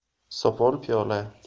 sopol piyola